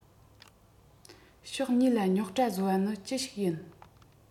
ཕྱོགས གཉིས ལ རྙོག དྲ བཟོ བ ནི ཅི ཞིག ཡིན